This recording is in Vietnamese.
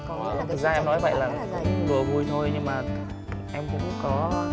thực ra em nói vậy là đùa vui thôi nhưng mà em cũng có